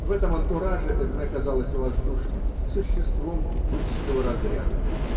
В этом антураже Эдмэ казалась воздушной, существом высшего разряда.